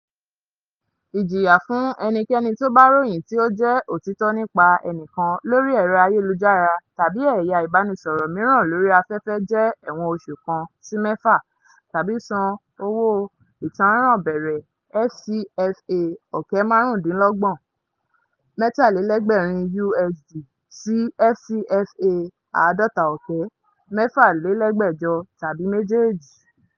Ìjìyà fún enikẹni tó bá ròyìn tí ó jẹ́ òtítọ́ nípa ẹnìkan lórí ẹ̀ro ayélujára tàbí ẹ̀yà ìbánisọ̀rọ̀ miran lórí afẹ́fẹ́ jẹ́ ẹ̀wọ̀n oṣù kan (01) sí mẹ́fà (06) tàbí san owó ìtánràn bẹ̀rẹ̀ FCFA 500,000 (USD 803) sí FCFA 1,000,000 ( USD 1,606) tàbí méjèèjì.